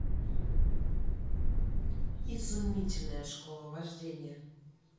изумительная школа вождения